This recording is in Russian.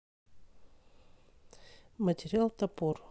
материал топор